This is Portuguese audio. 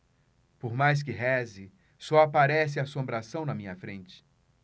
por mais que reze só aparece assombração na minha frente